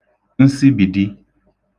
nsịbìdī